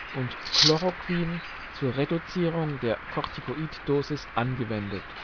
und Chloroquin zur Reduzierung der Kortikosteroid-Dosis angewendet